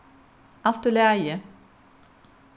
alt í lagi